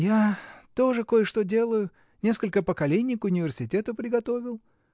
— Я. тоже кое-что делаю: несколько поколений к университету приготовил.